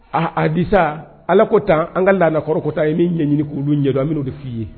Aa adisa ala ko taa an ka laadakɔrɔta ye min ɲɛɲini k'olu ɲɛdo an b'o de f'i ye